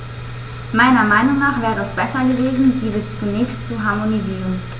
Meiner Meinung nach wäre es besser gewesen, diese zunächst zu harmonisieren.